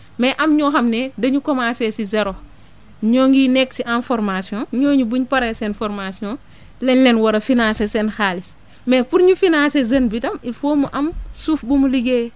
mais am ñoo xam ne dañu commencé si zero ñoo ngi nekk en formation ñooñu bu ñu paree seen formation lañ leen war a financer seen xaalis mais pour ñu financer jeune bi tam il faut mu am suuf bu mu liggéeyee